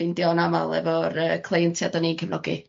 ffindio'n amal efo'r yy cleientia 'dan ni'n cefnogi.